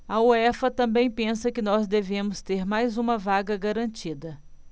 a uefa também pensa que nós devemos ter mais uma vaga garantida